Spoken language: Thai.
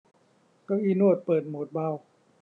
เก้าอี้นวดเปิดโหมดเบา